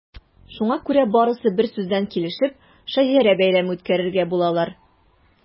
Шуңа күрә барысы берсүздән килешеп “Шәҗәрә бәйрәме” үткәрергә булалар.